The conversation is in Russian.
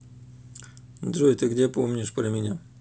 джой ты где помнишь про меня